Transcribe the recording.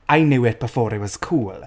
I knew it before it was cool.